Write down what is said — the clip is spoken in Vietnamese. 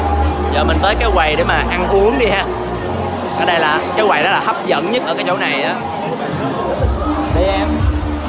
giờ mình tới cái quầy để mà ăn uống đi ha ở đây là cái quầy đó là hấp dẫn nhất ở cái chỗ này á đi em